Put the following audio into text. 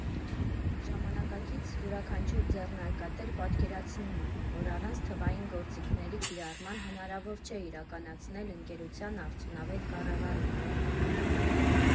Ժամանակակից յուրաքանչյուր ձեռնարկատեր պատկերացնում է, որ առանց թվային գործիքների կիրառման հնարավոր չէ իրականացնել ընկերության արդյունավետ կառավարումը։